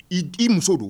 I muso don